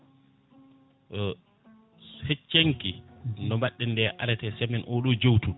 hecci hankki no mbaɗɗen nde arrêté semaine oɗo jowtuɗo